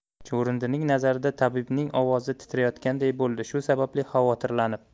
chuvrindining nazarida tabibning ovozi titrayotganday bo'ldi shu sababli xavotirlanib